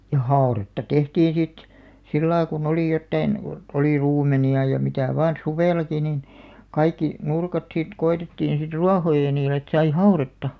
ja haudetta tehtiin sitten sillä lailla kun oli jotakin kun oli ruumenia ja mitä vain suvellakin niin kaikki nurkat sitten koetettiin sitten ruohoja niille että sai haudetta